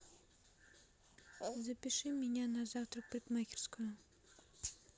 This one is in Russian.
запиши меня на завтра в парикмахерскую